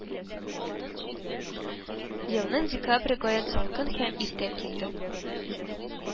Елның декабре гаять салкын һәм иртә килде